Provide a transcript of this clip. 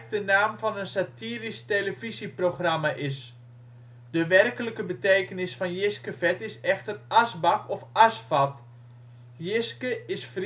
de naam van een satirisch televisieprogramma is. De werkelijke betekenis van Jiskefet is echter " asbak " of " asvat ". Jiske is